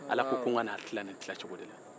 ala ko ko n ka n'a tila nin cogo la